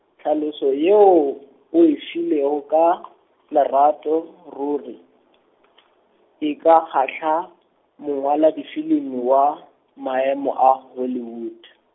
tlhaloso yeo, o e filego ka , lerato ruri , e ka kgahla, mongwaladifilimi wa, maemo a Hollywood.